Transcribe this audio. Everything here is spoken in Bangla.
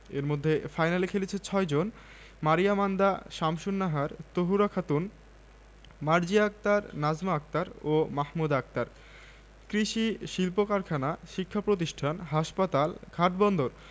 একটা সময়ে আঁধারে ডুবে থাকা কলসিন্দুর এখন বিদ্যুতের আলোয় আলোকিত হয়েছে মেয়েদের সাফল্যের সূত্র ধরেই ২০১৫ সালে কলসিন্দুরের মেয়েদের নিয়ে প্রথম আলো প্রতিবেদন ছাপে এ নিয়ে একটি তথ্যচিত্রও তৈরি করা হয়